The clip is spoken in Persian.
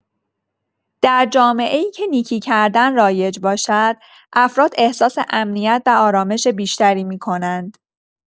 در جامعه‌ای که نیکی کردن رایج باشد، افراد احساس امنیت و آرامش بیشتری می‌کنند.